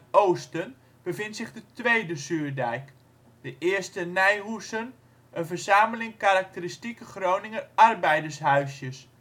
oosten bevindt zich de tweede Zuurdijk, (1e Nijhoezen) een verzameling karakteristieke Groninger arbeidershuisjes